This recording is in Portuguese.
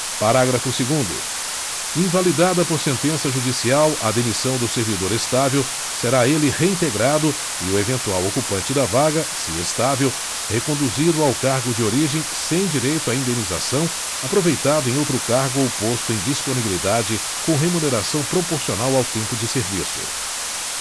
parágrafo segundo invalidada por sentença judicial a demissão do servidor estável será ele reintegrado e o eventual ocupante da vaga se estável reconduzido ao cargo de origem sem direito a indenização aproveitado em outro cargo ou posto em disponibilidade com remuneração proporcional ao tempo de serviço